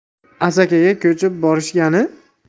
asakaga ko'chib borishgani